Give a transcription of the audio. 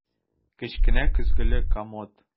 Кечкенә көзгеле комод.